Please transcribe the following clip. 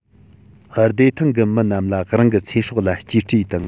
བདེ ཐང གི མི རྣམས ལ རང གི ཚེ སྲོག ལ གཅེས སྤྲས དང